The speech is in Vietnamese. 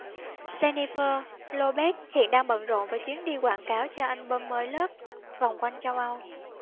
jennifer lopez hiện đang bận rộn với chuyến đi quảng cáo cho album mới love vòng quanh châu âu